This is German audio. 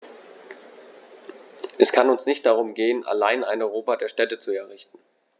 Es kann uns nicht darum gehen, allein ein Europa der Städte zu errichten.